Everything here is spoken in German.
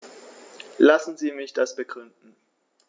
Lassen Sie mich das begründen.